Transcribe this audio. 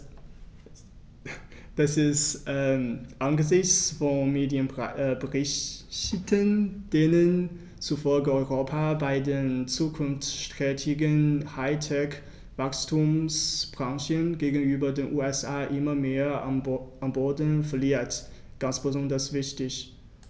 Das ist angesichts von Medienberichten, denen zufolge Europa bei den zukunftsträchtigen High-Tech-Wachstumsbranchen gegenüber den USA immer mehr an Boden verliert, ganz besonders wichtig.